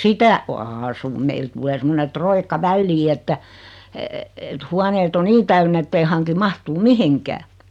sitä asun meille tulee semmoinen roikka väliin että että huoneet on niin täynnä että ei hanki mahtua mihinkään